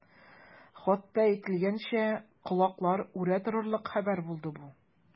Хатта әйтелгәнчә, колаклар үрә торырлык хәбәр булды бу.